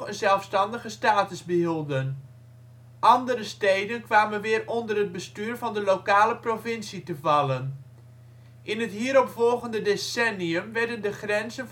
zelfstandige status behielden. Andere steden kwamen weer onder het bestuur van de lokale provincie te vallen. In het hierop volgende decennium werden de grenzen